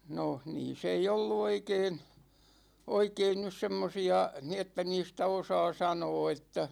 no niissä ei ollut oikein oikein nyt semmoisia niin että niistä osaa sanoa että